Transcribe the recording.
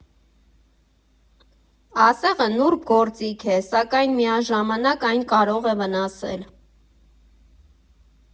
Ասեղը նուրբ գործիք է, սակայն միաժամանակ այն կարող է վնասել…